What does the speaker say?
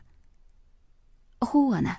huv ana